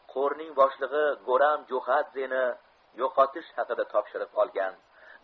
qo'ming boshlig'i guram jo'xadzeni yo'qotish haqida topshiriq olgan